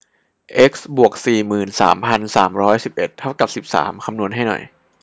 เอ็กซ์บวกสี่หมื่นสามพันสามร้อยสิบเอ็ดเท่ากับสิบสามคำนวณให้หน่อย